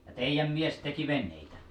ja teidän mies teki veneitä